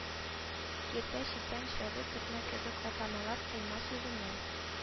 Киртә, читән, чәбе, текмә кебек атамалар «койма» сүзеннән